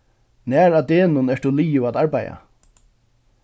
nær á degnum ert tú liðug at arbeiða